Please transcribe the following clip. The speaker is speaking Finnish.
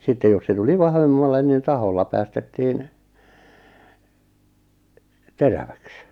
sitten jos se tuli vahvemmalle niin tahkolla päästettiin teräväksi